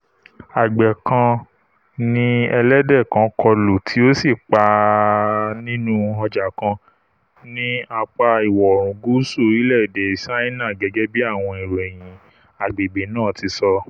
Àgbẹ̀ kan ni ẹlẹ́dẹ̀ kan kọlù tí ó sì pa á nínú ọjà kan ní apá ìwọ̀-oòrùn gúúsù orílẹ̀-èdè Ṣáínà, gẹ́gẹ́bí àwọn ìròyìn agbègbè náà ti sọ.